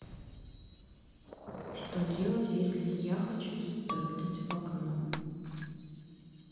что делать если я хочу спрыгнуть в окно